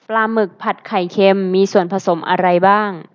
ปลาหมึกผัดไข่เค็มมีส่วนผสมอะไรบ้าง